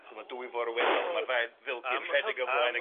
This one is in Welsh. So ma' dwy fôr wennol, ma'r ddau filgi yn rhedeg o flaen y ceffyl.